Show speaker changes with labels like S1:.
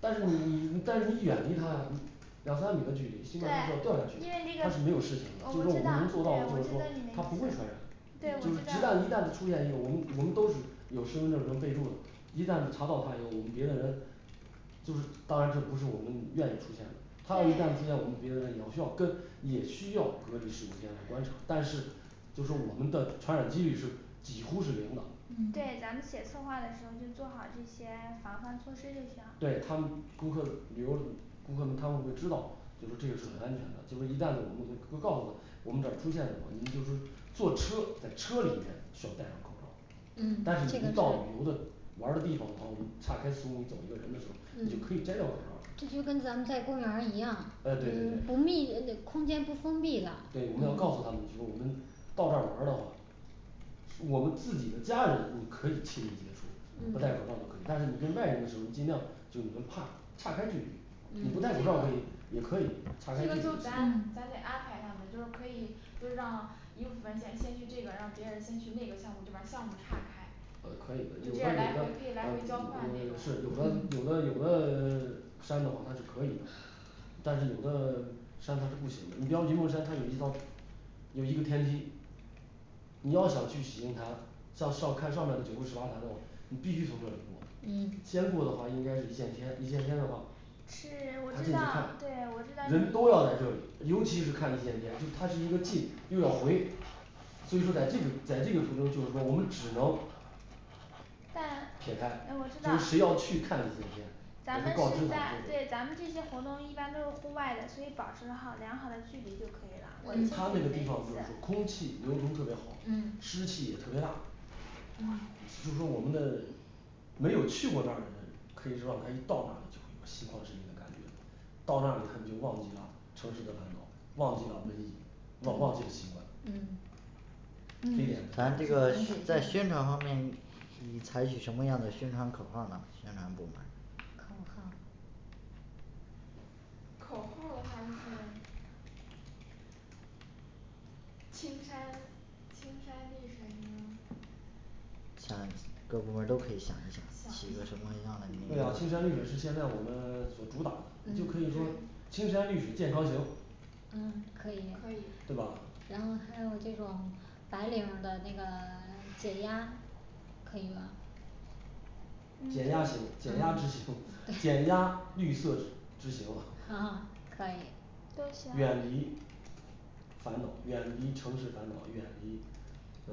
S1: 但是你你但是你远离他呀你两三米的距离
S2: 对因为这个呃我知道对我知道你那
S1: 新冠它是要掉下去的它是没有事情的就说我们能做到的就是说它不会
S2: 意思
S1: 传染
S2: 对我
S1: 就是直
S2: 知道
S1: 旦一旦出现一个我们我们都是有身份证儿能备注的一旦查到他以后我们别的人就是当然这不是我们愿意出现的它要一旦
S2: 对
S1: 出现我们别的人也要需要跟也需要隔离十五天来观察但是就是说我们的传染几率是几乎是零的
S3: 嗯
S2: 对咱们写策划的时候儿就做好这些防范措施就行
S1: 对他们顾客旅游嗯顾客们他们会知道就说这个是很安全的就说一旦我们会告告诉他我们这儿出现的话你们就是坐车在车里面需要戴上口罩儿
S4: 嗯
S1: 但
S4: 这
S1: 是你一
S4: 个
S1: 到旅游的玩儿的地方的话我们岔开四五米走一个人的时候你就可以摘掉口罩儿了
S4: 这就跟咱们在公园儿一样
S1: 啊对对
S4: 不
S1: 对
S4: 密也得空间不封闭的
S1: 对我们要告诉他们就说我们到这儿玩儿的话我们自己的家人你可以亲密接触不戴口
S3: 嗯
S1: 罩儿都可以但是你跟外人的时候尽量就你们怕岔开距离你
S4: 嗯
S1: 不戴口罩儿可
S4: 这个
S1: 以也可以岔
S4: 这
S1: 开距
S4: 个
S1: 离
S4: 就咱咱得安排他们就是可以就是让一部分先先去这个让别人儿先去那个项目就把项目岔开
S1: 呃可以的
S4: 就
S1: 有
S4: 这
S1: 的有
S4: 样来
S1: 的
S4: 回
S1: 嗯
S4: 可以来回交换
S1: 呃
S4: 这种
S1: 是有的
S3: 嗯
S1: 有的有的 山的话它是可以的但是有的 山它是不行的你比方云梦山他有一道有一个天梯你要想去喜迎坛上上看上面的九瀑十八潭的话你必须从这里过
S3: 嗯
S1: 先过的话应该是一线天一线天的话
S2: 是 我
S1: 他这
S2: 知
S1: 一
S2: 道
S1: 看
S2: 对我知道你的
S1: 人都要在
S2: 意
S1: 这里
S2: 思
S1: 尤其是看一线天就它是一个进又要回所以说在这个在这个途中就是说我们只能
S2: 但
S1: 撇开
S2: 呃我
S1: 就
S2: 知道
S1: 谁要去看一线天
S2: 咱
S1: 也会
S2: 们
S1: 告知
S2: 是在对
S1: 他
S2: 咱们
S1: 们
S2: 这
S1: 这个
S2: 些活动一般都是户外的所以保持好良好的距离就可以了我听
S1: 对他
S2: 听
S1: 那
S2: 你
S1: 个
S2: 的
S1: 地
S2: 意
S1: 方就是说空
S2: 思
S1: 气流通特别好
S3: 嗯
S1: 湿气也特别大
S2: 嗯嗯
S1: 所以说我们的没有去过那儿的人可以知道他一到那里就会有心旷神怡的感觉到那里他们就忘记了城市的烦恼忘记了瘟疫忘忘记了新冠非典
S2: 嗯
S5: 咱这个需 在宣传方面你你采取什么样的宣传口号儿呢宣传部门儿
S4: 口号儿口号儿的话就是青山青山绿水什么
S5: 想各部门儿都可以想一想
S4: 想一
S5: 起个什么
S4: 想
S5: 样
S4: 啊
S5: 嘞名
S1: 对啊
S5: 儿
S1: 青山绿水是现在我们 所主打的
S4: 嗯
S1: 就可以说
S4: 对
S1: 青山绿水健康行
S3: 嗯可以
S4: 可以
S1: 对吧
S3: 然后还有这种白领儿的那个 解压可以吗
S1: 减压
S2: 嗯
S1: 行减压之行减压绿色之之行
S3: 啊可以
S1: 远离烦恼远离城市烦恼远离